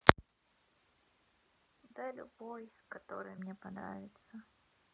да любой который мне понравится